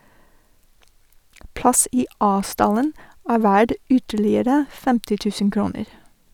Plass i A-stallen er verd ytterligere 50 000 kroner.